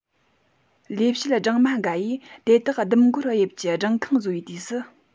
ལས བྱེད སྦྲང མ འགའ ཡིས དེ དག གི ཟླུམ གོར དབྱིབས ཀྱི སྦྲང ཁང བཟོ བའི དུས སུ